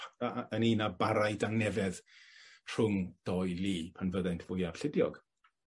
yy yy yn un a barai dangnefedd rhwng dou lu pan fyddent fwyaf llidiog?